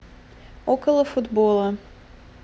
около футбола